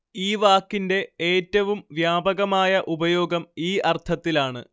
ഈ വാക്കിന്റെ ഏറ്റവും വ്യാപകമായ ഉപയോഗം ഈ അർത്ഥത്തിലാണ്